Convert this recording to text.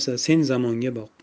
sen zamonga boq